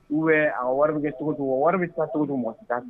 Ou bien a ka wari bɛ kɛ cogo o cogo, wari bɛ taa cogo o cogo mɔgɔ si t'a don.